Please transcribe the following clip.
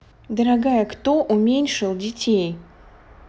дорогая кто уменьшил детей